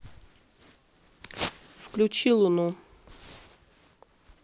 включи луну